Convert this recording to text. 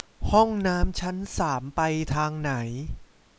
ห้องน้ำชั้นสามไปทางไหน